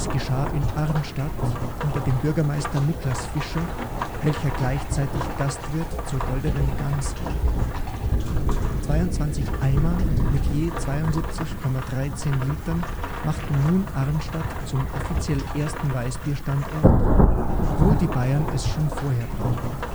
geschah in Arnstadt unter dem Bürgermeister Niclas Fischer, welcher gleichzeitig Gastwirt „ Zur goldenen Gans “war. 22 Eimer mit je 72,13 Litern machten nun Arnstadt zum offiziell ersten deutschen Weißbierstandort, obwohl die Bayern es schon vorher brauten